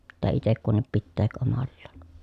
pitää itse kunkin pitää omallaan